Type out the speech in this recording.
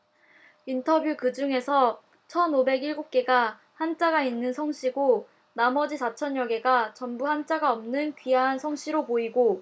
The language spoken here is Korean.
인터뷰 그중에서 천 오백 일곱 개가 한자가 있는 성씨고 나머지 사천 여 개가 전부 한자가 없는 귀화한 성씨로 보이고